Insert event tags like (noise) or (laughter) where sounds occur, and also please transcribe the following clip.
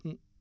(hesitation)